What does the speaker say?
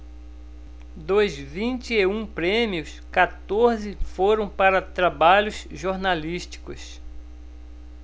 dos vinte e um prêmios quatorze foram para trabalhos jornalísticos